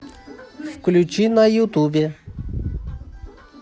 включи на ютубе